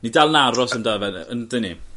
Ni dal yn aros amdano fe yndyn ni?